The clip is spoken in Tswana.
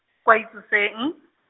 kwa Itsoseng.